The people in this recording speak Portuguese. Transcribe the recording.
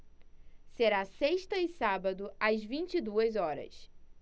será sexta e sábado às vinte e duas horas